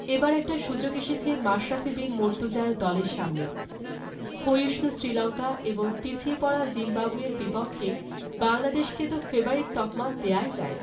এবার একটা সুযোগ এসেছে মাশরাফি বিন মুর্তজার দলের সামনে ক্ষয়িষ্ণু শ্রীলঙ্কা ও পিছিয়ে থাকা জিম্বাবুয়ের বিপক্ষে বাংলাদেশকে তো ফেবারিট তকমা দেওয়াই যায়